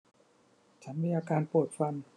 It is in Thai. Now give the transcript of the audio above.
ฉันมีอาการปวดฟัน